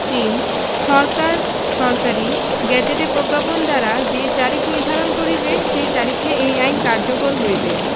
৩ সরকার সরকারী গেজেটে প্রজ্ঞাপন দ্বারা যেই তারিখ নির্ধারণ করিবে সেই তারিখে এই আইন কার্যকর হইবে